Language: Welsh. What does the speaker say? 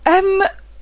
Yym